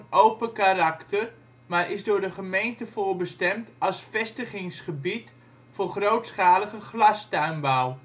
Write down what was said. open karakter, maar is door de gemeente voorbestemd als vestigingsgebied voor grootschalige glastuinbouw